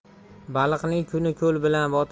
baliqning kuni ko'l bilan